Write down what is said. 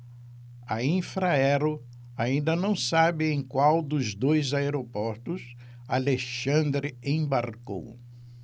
a infraero ainda não sabe em qual dos dois aeroportos alexandre embarcou